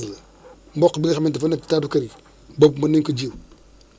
dèjà au niveau de la recherche am na ñi nga xamante ni bi weer bu nekk